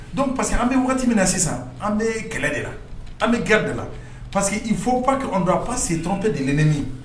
Don parce que an bɛ waati min na sisan an bɛ kɛlɛ de la an bɛ g de la parce que i fɔ faki dɔrɔn pa se tɔnon tɛ deini